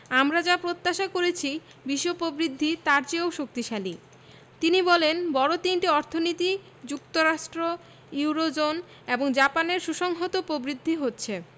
আমরা যা প্রত্যাশা করেছি বিশ্ব প্রবৃদ্ধি তার চেয়েও শক্তিশালী তিনি বলেন বড় তিনটি অর্থনীতি যুক্তরাষ্ট্র ইউরোজোন এবং জাপানের সুসংহত প্রবৃদ্ধি হচ্ছে